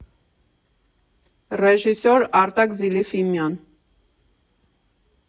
Ռեժիսոր՝ Արտակ Զիլֆիմյան։